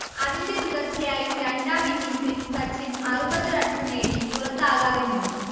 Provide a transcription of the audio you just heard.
അതിന്റെ തുടർച്ചയായി രണ്ടാം ഇന്നിംങ്സിൽ സച്ചിൻ അറുപത് റൺസ് നേടി പുറത്താകാതെനിന്നു